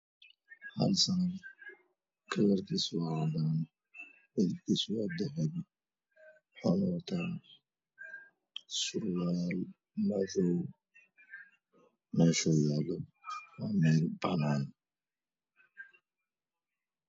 Kalarkisa cadaan dahabi wuxuma wataan surwaal madow meel banaan